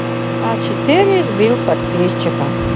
а четыре избил подписчика